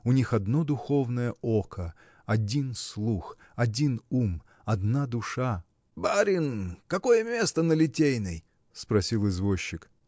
у них одно духовное око, один слух, один ум, одна душа. – Барин! кое место на Литейной? – спросил извозчик.